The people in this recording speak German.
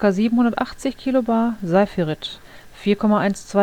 780 kbar Seifertit (4,12